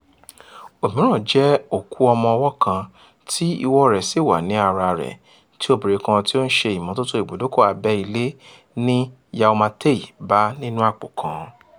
Òmíràn jẹ́ òkú ọmọ-ọwọ́ kan tí ìwọ́ọ rẹ̀ ṣì wà ní a ara rẹ̀, tí obìrin kan tí ó ń ṣe ìmọ́tótó ìbùdókọ̀ abẹ́-ilẹ̀ ní Yau Ma Tei bá nínú àpò kan.